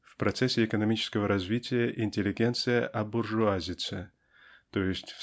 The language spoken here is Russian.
в процессе экономического развития интеллигенция "обуржуазится" т. е.